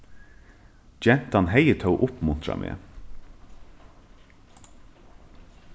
gentan hevði tó uppmuntrað meg